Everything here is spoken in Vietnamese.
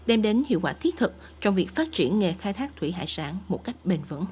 đem đến hiệu quả thiết thực cho việc phát triển nghề khai thác thủy hải sản một cách bền vững